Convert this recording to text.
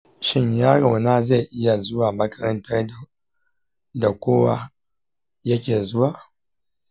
shin yarona zai iya zuwa makarantar da kowa yake zuwa?